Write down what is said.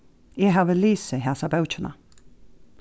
eg havi lisið hasa bókina